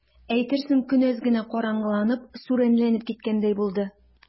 Әйтерсең, көн әз генә караңгыланып, сүрәнләнеп куйгандай булды.